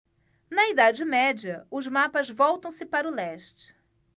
na idade média os mapas voltam-se para o leste